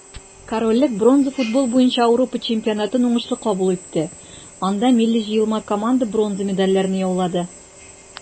Корольлек бронза футбол буенча Ауропа чемпионатын уңышлы кабул итте, анда милли җыелма команда бронза медальләрне яулады.